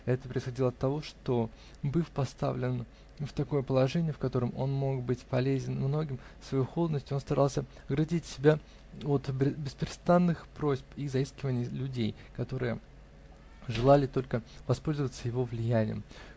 Это происходило оттого, что, быв поставлен в такое положение, в котором он мог быть полезен многим, своею холодностью он старался оградить себя от беспрестанных просьб и заискиваний людей, которые желали только воспользоваться его влиянием.